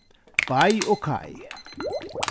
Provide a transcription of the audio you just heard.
bei og kai